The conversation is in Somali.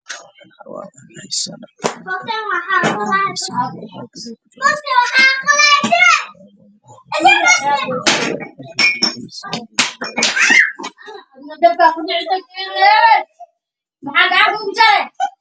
Waa carwo waxaa yaalla saakooyin dumar